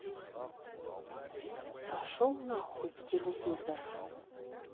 пошел нахуй телевизор